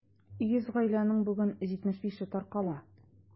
100 гаиләнең бүген 75-е таркала.